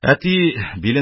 Әти билен